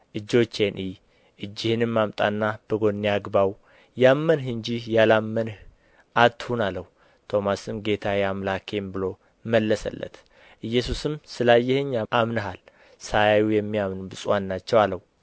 እጆቼን እይ እጅህንም አምጣና በጎኔ አግባው ያመንህ እንጂ ያላመንህ አትሁን አለው ቶማስም ጌታዬ አምላኬም ብሎ መለሰለት ኢየሱስም ስለ አየኸኝ አምነሃል ሳያዩ የሚያምኑ ብፁዓን ናቸው አለው